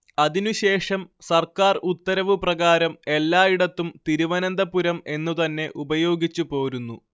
അതിനു ശേഷം സർക്കാർ ഉത്തരവു പ്രകാരം എല്ലായിടത്തും തിരുവനന്തപുരം എന്നുതന്നെ ഉപയോഗിച്ചുപോരുന്നു